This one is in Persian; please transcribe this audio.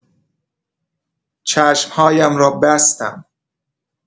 چشم‌هایم را بستم.